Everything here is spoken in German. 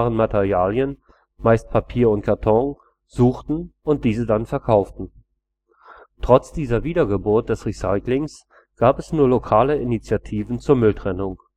Materialien, meist Papier und Karton, suchten und diese dann verkauften. Trotz dieser Wiedergeburt des Recyclings gab es nur lokale Initiativen zur Mülltrennung